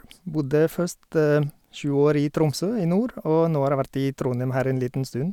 Bodde først sju år i Tromsø, i nord, og nå har jeg vært i Trondheim her en liten stund.